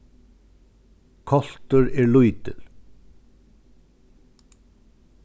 koltur er lítil